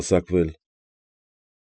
Պսակվել։